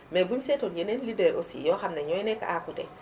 mais buñu seetoon yeneen leader aussi yoo xam ne ñooy nekk à côté